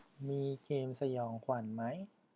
มีเกมสยองขวัญไหม